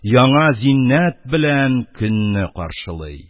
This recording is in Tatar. Яңа зиннәт белән көнне каршылый.